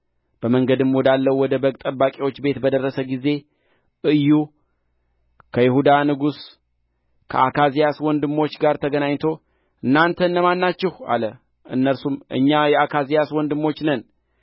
በመንገድም ወዳለው ወደ በግ ጠባቂዎች ቤት በደረሰ ጊዜ ኢዩ ከይሁዳ ንጉሥ ከአካዝያስ ወንድሞች ጋር ተገናኝቶ እናንተ እነማን ናችሁ አለ እነርሱም እኛ የአካዝያስ ወንድሞች ነን